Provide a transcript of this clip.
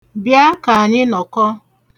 Bịa ka anyị nọkọ.